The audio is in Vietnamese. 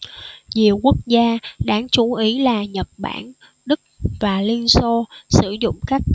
nhiều quốc gia đáng chú ý là nhật bản đức và liên xô sử dụng các